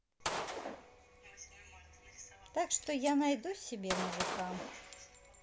так что я найду себе мужика